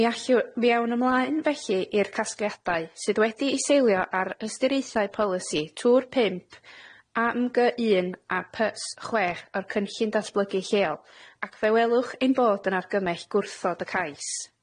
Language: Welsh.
Mi allw- mi awn ymlaen felly i'r casgliadau sydd wedi'u seilio ar ystyriaethau polisi tŵr pump A M Gy un a Py S chwech o'r cynllun datblygu lleol, ac fe welwch ein bod yn argymell gwrthod y cais.